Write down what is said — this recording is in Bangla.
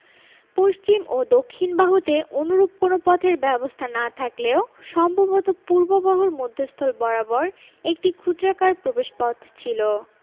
পশ্চিম ও দক্ষিণ বাহুতে অনুরূপ কোন পথের ব্যবস্থা না থাকলেও সম্ভবত পূর্ব বাহুর মধ্যস্থল বরাবর একটি ক্ষুদ্রাকার প্রবেশপথ ছিল